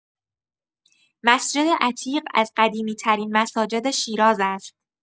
مسجد عتیق از قدیمی‌ترین مساجد شیراز است.